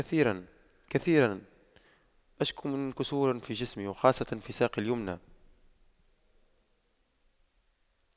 كثيرا كثيرا اشكو من كسور في جسمي وخاصة في ساقي اليمنى